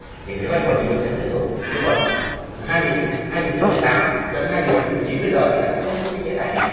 thì nếu anh còn nghị lực để tiếp tục thế còn hai vị tướng hai nghìn không trăm mười tám đến hai nghìn không trăm mười chín giờ thì lại không có cơ chế tài này